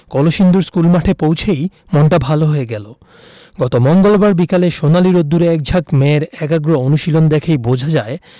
কলসিন্দুর স্কুলমাঠে পৌঁছেই মনটা ভালো হয়ে গেল গত মঙ্গলবার বিকেলে সোনালি রোদ্দুরে একঝাঁক মেয়ের একাগ্র অনুশীলন দেখেই বোঝা যায়